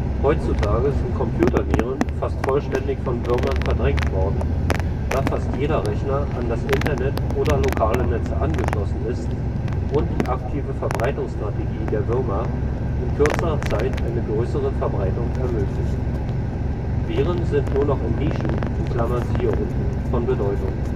Heutzutage sind Computerviren fast vollständig von Würmern verdrängt worden, da fast jeder Rechner an das Internet oder lokale Netze angeschlossen ist und die aktive Verbreitungsstrategie der Würmer in kürzerer Zeit eine größere Verbreitung ermöglicht. Viren sind nur noch in neuen Nischen (siehe unten) von Bedeutung